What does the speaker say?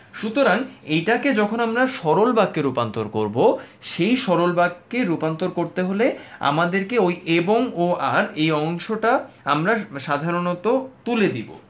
সুতরাং এটাকে যখন আমরা সরল বাক্যে রূপান্তর করবো সেই সরল বাক্যে রূপান্তর করতে হলে আমাদেরকে ওই এবং ও আর এই অংশটা আমরা সাধারণত তুলে দিব